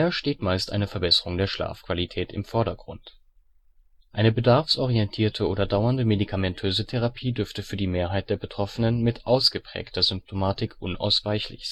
steht meist eine Verbesserung der Schlafqualität im Vordergrund. Eine bedarfsorientierte oder dauernde medikamentöse Therapie dürfte für die Mehrheit der Betroffenen mit ausgeprägter Symptomatik unausweichlich